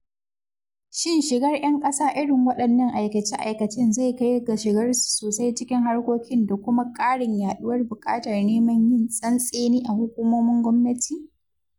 Shin shigar 'yan ƙasa irin waɗannan aikace-aikacen zai kai ga shigarsu sosai cikin harkoki da kuma ƙarin yaɗuwar buƙatar neman yin tsantseni a hukumomin gwamnati?